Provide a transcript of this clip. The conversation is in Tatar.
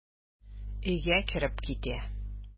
Өйгә кереп китә.